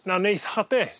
na neith hade